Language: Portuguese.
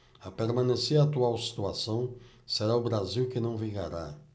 a permanecer a atual situação será o brasil que não vingará